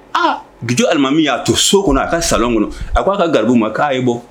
Aa g jidi alimami y'a to so kɔnɔ a ka salon kɔnɔ a k ko'a ka gabu ma k'a ye bɔ